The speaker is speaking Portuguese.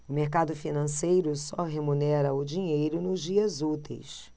o mercado financeiro só remunera o dinheiro nos dias úteis